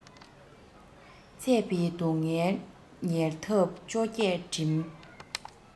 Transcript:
བཙས པའི སྡུག སྔལ མྱལ ཁམས བཅོ བརྒྱད འགྲིམ